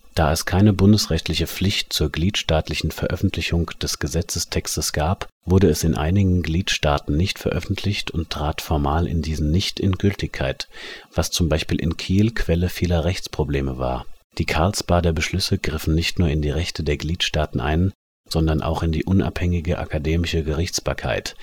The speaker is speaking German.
Da es keine bundesrechtliche Pflicht zur gliedstaatlichen Veröffentlichung des Gesetzestextes gab, wurde es in einigen Gliedstaaten nicht veröffentlicht und trat formal in diesen nicht in Gültigkeit, was z. B. in Kiel Quelle vieler Rechtsprobleme war. Die Karlsbader Beschlüsse griffen nicht nur in die Rechte der Gliedstaaten ein, sondern auch in die unabhängige akademische Gerichtsbarkeit